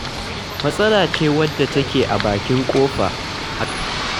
Matsala ce wadda take a bakin ƙofa, a gaban idanuwanmu.